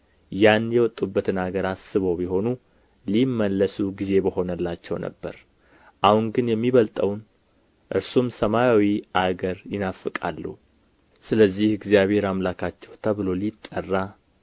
ያን የወጡበትን አገር አስበው ቢሆኑ ሊመለሱ ጊዜ በሆነላቸው ነበር አሁን ግን የሚበልጠውን እርሱም ሰማያዊ አገር ይናፍቃሉ ስለዚህ እግዚአብሔር አምላካቸው ተብሎ ሊጠራ